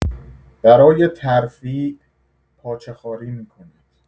برای ترفیع پاچه‌خواری می‌کند.